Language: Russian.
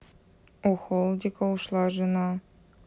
у холдика ушла жена